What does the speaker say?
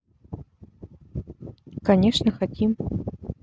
конечно хотим